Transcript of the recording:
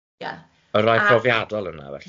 Yr rhai profiadol yna felly.